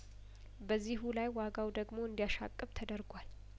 በዚሁ ላይ ዋጋው ደግሞ እንዲያሻቅብ ተደርጓል